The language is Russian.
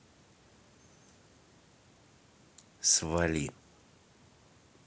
свали